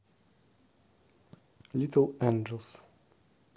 литл энджелс